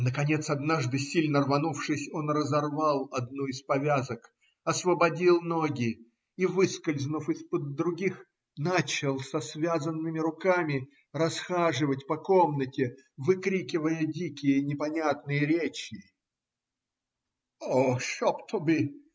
Наконец однажды, сильно рванувшись, он разорвал одну из повязок, освободил ноги и, выскользнув из-под других, начал со связанными руками расхаживать по комнате, выкрикивая дикие, непонятные речи. - О, щоб тоби!.